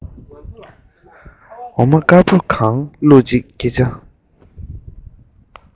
འོ མ དཀར པོ གང བླུགས རྗེས སྐད ཆ